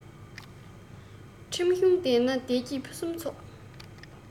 ཁྲིམས གཞུང ལྡན ན བདེ སྐྱིད ཕུན སུམ ཚོགས